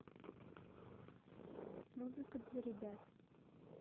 музыка для ребят